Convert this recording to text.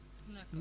d' accord